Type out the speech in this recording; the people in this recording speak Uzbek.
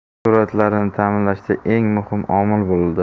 sur'atlarini ta'minlashda eng muhim omil bo'ldi